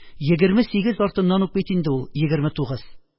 Егерме сигез артыннан ук бит ул егерме тугыз